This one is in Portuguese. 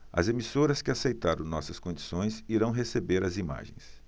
as emissoras que aceitaram nossas condições irão receber as imagens